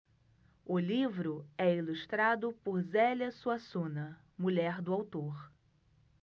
o livro é ilustrado por zélia suassuna mulher do autor